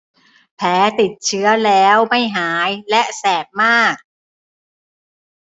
แผลติดเชื้อแล้วไม่หายและแสบมาก